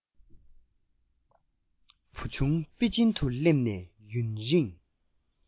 བུ ཆུང པེ ཅིན དུ སླེབས ནས ཡུན རིང